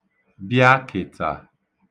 bị̄ākètà